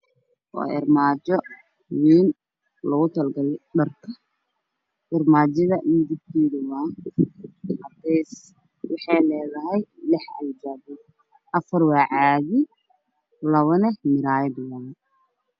Waa armaajo lugu talagalay dharka midabkeedu waa cadeys. Waxay leedahay lix albaab labo waa muraayad afarna waa caadi.